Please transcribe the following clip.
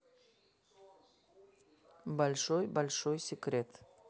большой большой секрет